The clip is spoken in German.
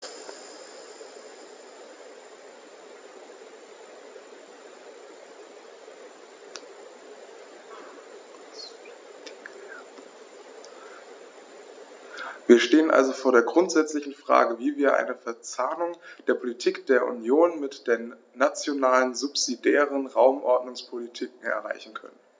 Wir stehen also vor der grundsätzlichen Frage, wie wir eine Verzahnung der Politik der Union mit den nationalen subsidiären Raumordnungspolitiken erreichen können.